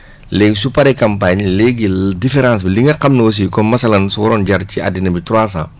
léegi su paree campagne léegi différence bi li nga xam ne aussi comme masalan su waroon jar si addina bi trois cent